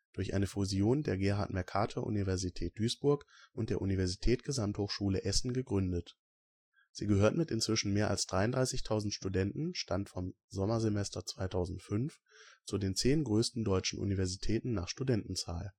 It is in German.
durch eine Fusion der Gerhard-Mercator-Universität Duisburg und der Universität-Gesamthochschule Essen gegründet. Sie gehört mit inzwischen mehr als 33.000 Studenten (Stand: SS 2005) zu den 10 größten deutschen Universitäten nach Studentenzahl